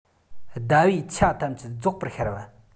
ཟླ བའི ཆ ཐམས ཅད རྫོགས པར ཤར བ